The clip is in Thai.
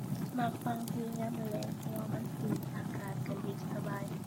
มักฟังเพลงยามมื้อแลง เพราะว่ามันอิน อากาศก็เย็นสบาย